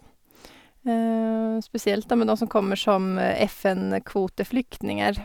Spesielt, da, med dem som kommer som FN-kvoteflyktninger.